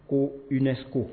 Ko iunɛ